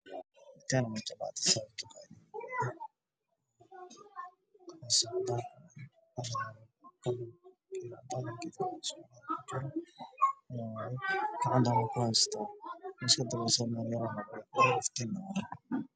Gacan ayaa xiraysa baal yar oo iskulata ah na qofka saaran war mac maceemba r